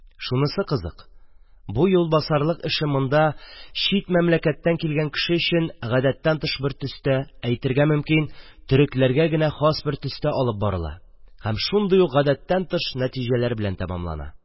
Шунысы кызык: бу юлбасарлык эше монда чит мәмләкәттән килгән кеше өчен гадәттән тыш бер төстә, әйтергә мөмкин, төрекләргә генә хас бер төстә алып барыла һәм шундый ук гадәттән тыш нәтиҗәләр белән тамамлана.